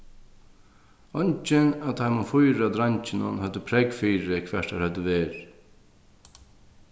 eingin av teimum fýra dreingjunum høvdu prógv fyri hvar teir høvdu verið